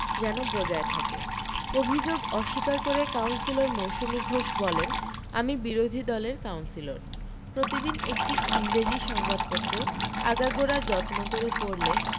যেন বজায় থাকে অভি্যোগ অস্বীকার করে কাউন্সিলর মৌসুমি ঘোষ বলেন আমি বিরোধী দলের কাউন্সিলর প্রতিদিন একটি ইংরেজি সংবাদপত্র আগাগোড়া যত্ন করে পড়লে